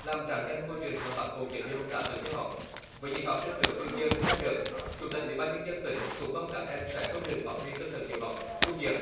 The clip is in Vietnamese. làm rạng danh ngôi trường mà bác hồ kính yêu đã từng theo học với những học sinh được tuyên dương khen thưởng chủ tịch ủy ban nhân dân tỉnh cũng mong các em sẽ không ngừng phát huy tinh thần hiếu học tu dưỡng